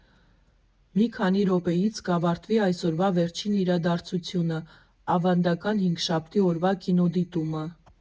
Մի քանի րոպեից կավարտվի այսօրվա վերջին իրադարձությունը՝ ավանդական հինգշաբթի օրվա կինոդիտումը։